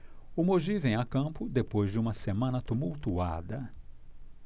o mogi vem a campo depois de uma semana tumultuada